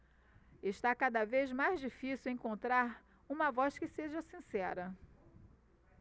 está cada vez mais difícil encontrar uma voz que seja sincera